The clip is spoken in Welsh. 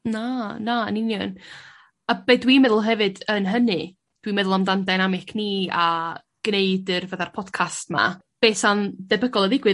Na na yn union a be' dwi'n meddwl hefyd yn hynny dwi'n meddwl amdan dynamic ni a gneud yr fatha'r podcast 'ma be' sa'n debygol o ddigwydd